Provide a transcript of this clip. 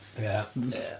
Ia. Ia.